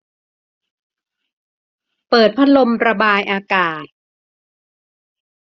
เปิดพัดลมระบายอากาศ